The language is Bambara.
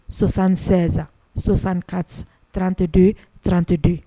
Sososan sensan sososan ka trante don ye trante don ye